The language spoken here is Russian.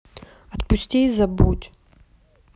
отпусти и забудь